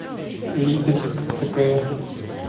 липецк цкр